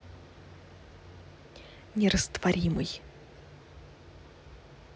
нерастворимый